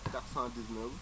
419